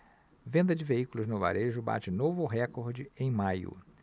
venda de veículos no varejo bate novo recorde em maio